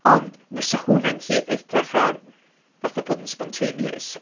Ond fysa hwnna'n gallu edrych ar... fatha bod yn spontaneous